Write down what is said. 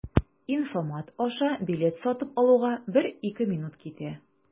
Инфомат аша билет сатып алуга 1-2 минут китә.